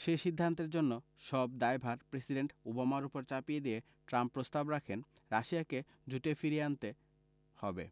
সে সিদ্ধান্তের জন্য সব দায়ভার প্রেসিডেন্ট ওবামার ওপর চাপিয়ে দিয়ে ট্রাম্প প্রস্তাব রাখেন রাশিয়াকে জোটে ফিরিয়ে আনতে হবে